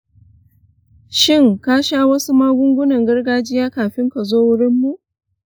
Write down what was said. shin ka sha wasu magungunan gargajiya kafin ka zo wurinmu?